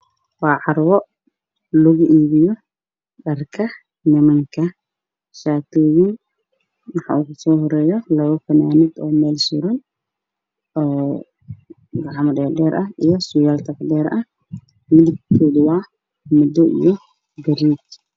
Waxaa ii muuqda surwaallo meel lagu gadaayo carwo ah iyo fanaanado midabkoodu yahay midow oo meel su